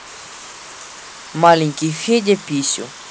маленький федя писю